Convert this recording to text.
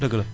dëgg la